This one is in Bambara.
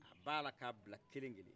a b' a la ka a bila kelen kelen